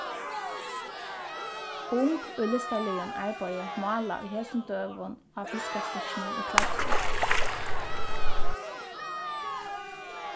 ung í listarligum arbeiði mála í hesum døgum á fiskastykkinum í klaksvík